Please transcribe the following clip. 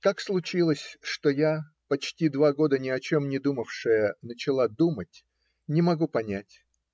Как случилось, что я, почти два года ни о чем не думавшая, начала думать, не могу понять.